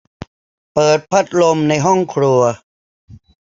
เปิดพัดลมในห้องครัว